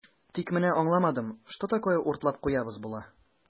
Тик менә аңламадым, что такое "уртлап куябыз" була?